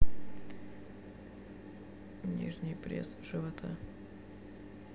нижний пресс живота